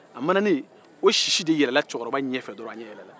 a mananen au sisi de yɛlɛla cɛkɔba ɲɛfɛ dɔrɔn a ɲɛ yɛlɛla